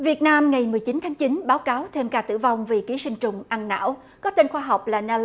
việt nam ngày mười chín tháng chín báo cáo thêm ca tử vong vì ký sinh trùng ăn não có tên khoa học là na